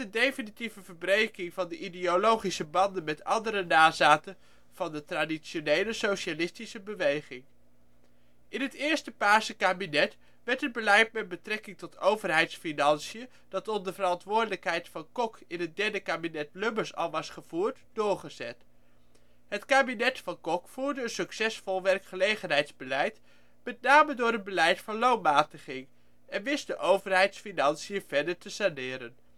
definitieve verbreking van de ideologische banden met andere nazaten van de traditionele socialistische beweging. " In het eerste paarse kabinet werd het beleid met betrekking tot overheidsfinanciën, dat onder verantwoordelijkheid van Kok in het derde kabinet Lubbers al was gevoerd, doorgezet. Het kabinet van Kok voerde een succesvol werkgelegenheidsbeleid (met name door het beleid van loonmatiging) en wist de overheidsfinanciën verder te saneren